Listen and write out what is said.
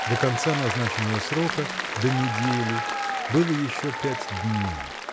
до конца назначенного срока, до недели, было еще пять дней.